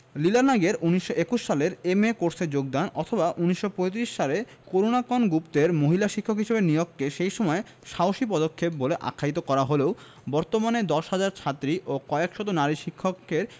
লীলা নাগের ১৯২১ সালে এম.এ কোর্সে যোগদান অথবা ১৯৩৫ সালে করুণাকণা গুপ্তের মহিলা শিক্ষক হিসেবে নিয়োগকে সেই সময়ে সাহসী পদক্ষেপ বলে আখ্যায়িত করা হলেও বর্তমানে ১০ হাজার ছাত্রী ও কয়েক শত নারী শিক্ষকের